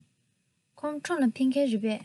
ཁོང ཁྲོམ ལ ཕེབས མཁན རེད པས